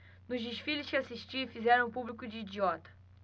nos desfiles que assisti fizeram o público de idiota